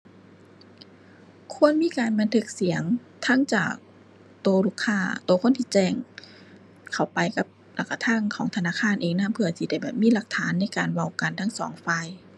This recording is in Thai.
ควรมีการบันทึกเสียงทั้งจากตัวลูกค้า ตัวคนที่แจ้งเข้าไปกับ แล้วตัวทางของธนาคารเองนำเพื่อสิได้แบบมีหลักฐานในการเว้ากันทั้งสองฝ่าย